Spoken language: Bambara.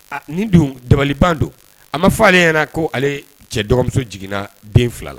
Nin don dabali ban don a ma fɔ ale yɛrɛ ko ale cɛ dɔgɔmuso jiginna den fila la